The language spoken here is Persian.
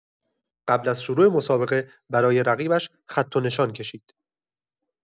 قبل از شروع مسابقه برای رقیبش خط و نشان کشید.